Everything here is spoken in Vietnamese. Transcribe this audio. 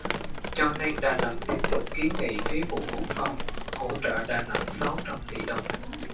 cho nên đà nẵng tiếp tục kiến nghị phía bộ quốc phòng hỗ trợ đà nẵng sáu trăm tỉ đồng